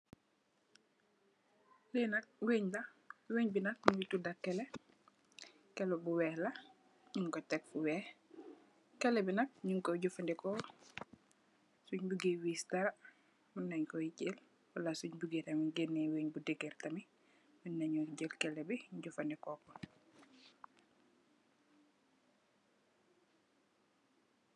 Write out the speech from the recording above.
Lee nak weah la weah be nak muge tuda kele kele bu weex la nugku tek fu weex kele be be nak nukoye jefaneku sun buge wees dara mun nen koye jel wala sung buge dem gene weah bu degarr tamin mun na nu jel kele be jefaneku ku.